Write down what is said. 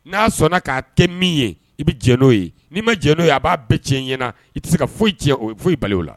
N'a sɔnna k'a kɛ min ye i bɛ jɛn n'o ye n'i ma jɛn n'o ye a b'a bɛɛ tiɲɛ i ɲɛna i tɛ se ka foyi tiɲɛ foyi bali o la